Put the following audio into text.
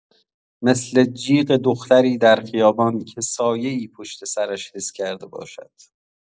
مثل جیغ دختری در خیابان که سایه‌ای پشت‌سرش حس کرده باشد.